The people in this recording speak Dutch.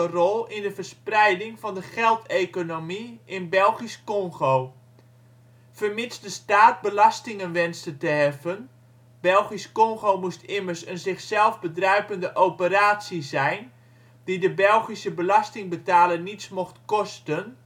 rol in de verspreiding van de geld-economie in Belgisch-Kongo. Vermits de staat belastingen wenste te heffen (Belgisch-Kongo moest immers een zichzelf bedruipende operatie zijn die de Belgische belastingbetaler niets mocht kosten